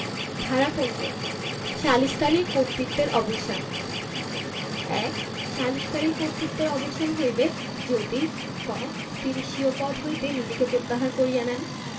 ধারা ১৫ সালিসকারীর কর্তৃত্বের অবসানঃ ১ সালিসকারীর কর্তৃত্বের অবসান হইবে যদি ক তিনি স্বীয় পদ হইতে নিজেকে প্রত্যাহার করিয়া নেন